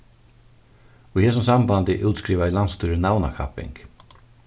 í hesum sambandi útskrivaði landsstýrið navnakapping